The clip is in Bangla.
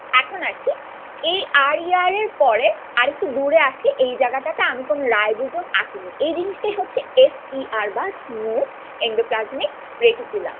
এখন আসি এই আর ই আরের পরে আর একটু দূরে আসি এই জায়গাটাতে আমি কোন রাইবোজোম আঁকিনি এই জিনিসটা হচ্ছে এস ই আর বা স্মুথ এন্ডোপ্লাজমিক রেটিকুলাম